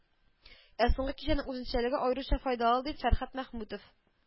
Ә соңгы кичәнең үзенчәлеге аеруча файдалы, ди Фәрһәт Мәхмүтов